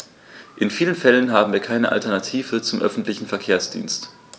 In vielen Fällen haben wir keine Alternative zum öffentlichen Verkehrsdienst.